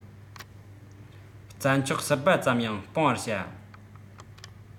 རྩྭ མཆོག ཟིལ པ ཙམ ཡང སྤང བར བྱ